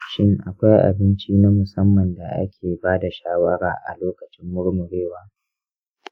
shin akwai abinci na musamman da ake ba da shawara a lokacin murmurewa?